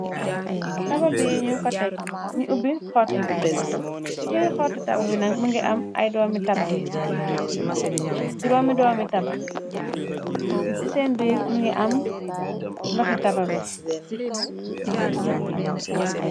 Taba bi ñu ko tekk, ñi ubbi xortu bi, ci biir xooti taba bina, mingi am ay doomi taba, giromi doomi taba, ci seen biir mingi am ndoxi taba bi.